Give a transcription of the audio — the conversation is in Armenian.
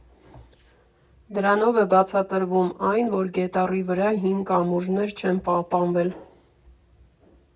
Դրանով է բացատրվում այն, որ Գետառի վրա հին կամուրջներ չեն պահպանվել։